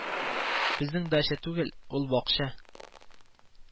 Безнең дача түгел, ул бакча